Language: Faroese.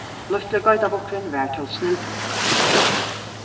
lítli geitarbukkurin var tó snildur